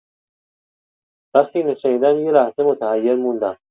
وقتی اینو شنیدم، یه لحظه متحیر موندم.